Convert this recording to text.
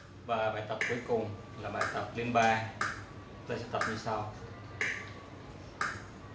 và cuối cùng là bài tập rung liên ba chúng ta sẽ tập như sau